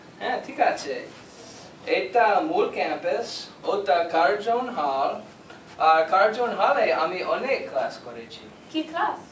হ্যাঁ ঠিক আছে এটা মূল ক্যাম্পাস ওটা কার্জন হল আর কার্জন হলে আমি অনেক ক্লাস করেছি কি ক্লাস